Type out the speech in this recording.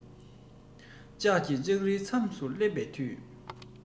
ལྕགས ཀྱི ལྕགས རིའི མཚམས སུ སླེབས པའི དུས